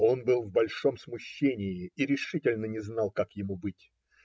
Он был в большом смущении и решительно не знал, как ему быть.